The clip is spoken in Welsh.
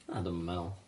Na, dwi'm yn me'wl.